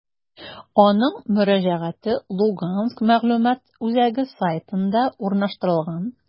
Аның мөрәҗәгате «Луганск мәгълүмат үзәге» сайтында урнаштырылган.